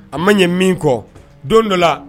A man ɲi min kɔ don dɔ la